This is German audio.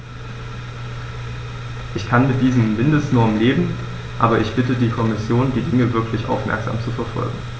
Ich kann mit diesen Mindestnormen leben, aber ich bitte die Kommission, die Dinge wirklich aufmerksam zu verfolgen.